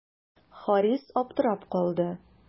Харис аптырап калды.